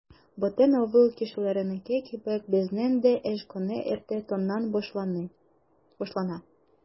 Бөтен авыл кешеләренеке кебек, безнең дә эш көне иртә таңнан башлана.